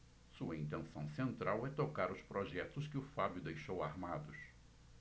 sua intenção central é tocar os projetos que o fábio deixou armados